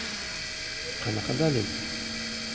qanaqa dalil